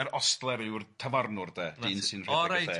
Yr ostler yw'r tafarnwr de, dyn sy'n rhedeg y lle.